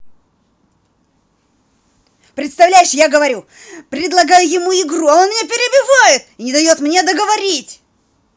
представляешь я говорю предлагаю ему игру а он меня перебивает и не дает мне договорить